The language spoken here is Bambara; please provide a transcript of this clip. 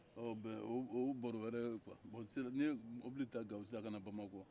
bon o ye baro wɛrɛ ye kuwa bon n ye mobili ta sisan ka bɔ gawo ka na bamako